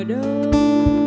đông